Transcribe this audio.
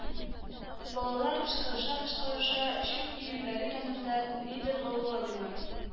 Ыхы балалар кычкырыша-кычкырыша чүп өемнәре янында нидер гаугалыйлар